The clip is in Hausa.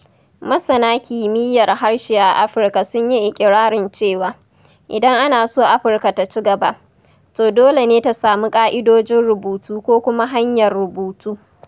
Masana kimiyyar harshe a Afirka sun yi iƙirarin cewa, idan ana so Afirka ta ci gaba, to dole ne ta samu ƙa'idojin rubutu ko kuma hanyar rubutu.